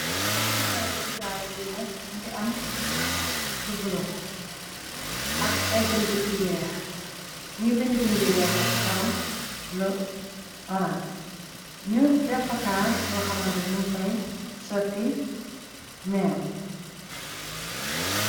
Pakati meewu bitaala bi nak mungi am lu blon ak ay bind yu weex ñi ngi bind-bind yi weex i ci kaw lu orange ñu defa kaas bo xamante nañu fay sotti meew.